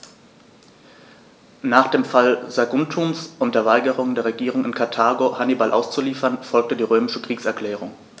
Nach dem Fall Saguntums und der Weigerung der Regierung in Karthago, Hannibal auszuliefern, folgte die römische Kriegserklärung.